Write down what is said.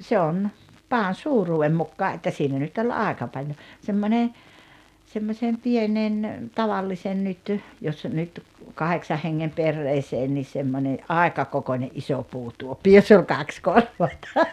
se on padan suuruuden mukaan että siinä nyt oli aika paljon semmoinen semmoisen pienen tavallisen nyt jos nyt kahdeksan hengen perheeseen niin semmoinen aika kokoinen iso puutuoppi jossa oli kaksi korvainta